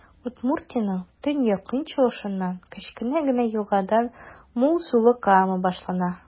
Удмуртиянең төньяк-көнчыгышыннан, кечкенә генә елгадан, мул сулы Кама башлана.